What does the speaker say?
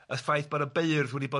y ffaith fod y beurdd wedi bod yn